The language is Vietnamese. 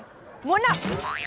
muôn năm